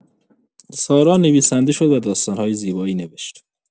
سارا نویسنده شد و داستان‌های زیبایی نوشت.